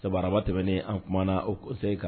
Sabu araba tɛmɛnen an kumana Haut conseil kan